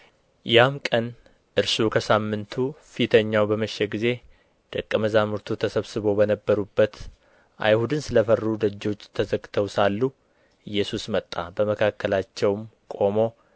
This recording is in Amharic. ያም ቀን እርሱም ከሳምንቱ ፊተኛው በመሸ ጊዜ ደቀ መዛሙርቱ ተሰብስበው በነበሩበት አይሁድን ስለ ፈሩ ደጆቹ ተዘግተው ሳሉ ኢየሱስ መጣ በመካከላቸውም ቆሞ